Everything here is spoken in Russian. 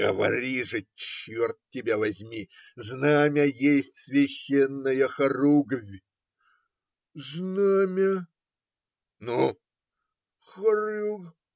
- Говори же, черт тебя возьми; знамя есть священная хоругвь. - Знамя. - Ну?. - Хорюг.